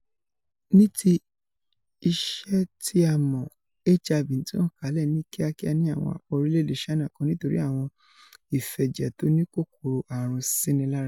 Níti ìṣe tí a mọ̀, HIV ńtàn kálẹ̀ ní kíakía ní àwọn apá orílẹ̀-èdè Ṣáínà kan nítorí àwọn ìfẹ̀jẹ̀tóníkòkòrò ààrùn sínilára.